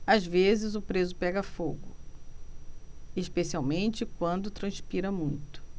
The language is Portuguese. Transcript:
às vezes o preso pega fogo especialmente quando transpira muito